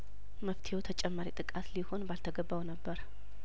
መፍትሄው ተጨማሪ ጥቃት ሊሆንባል ተገባው ነበር